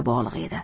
bog'liq edi